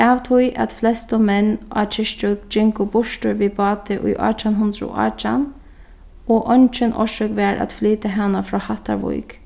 av tí at flestu menn á kirkju gingu burtur við báti í átjan hundrað og átjan og eingin orsøk var at flyta hana frá hattarvík